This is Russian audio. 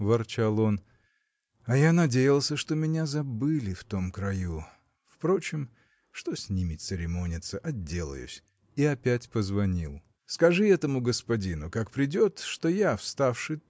– ворчал он, – а я надеялся, что меня забыли в том краю! Впрочем, что с ними церемониться! отделаюсь. Он опять позвонил. – Скажи этому господину как придет что я вставши